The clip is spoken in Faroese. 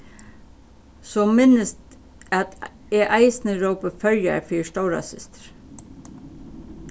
so minnist at eg eisini rópi føroyar fyri stórasystir